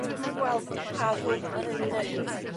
dw i'm yn gweld pa ddrwg ma' neud.